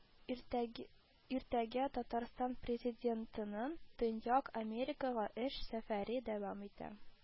Иртәгә Татарстан Президентының Төньяк Америкага эш сәфәре дәвам итә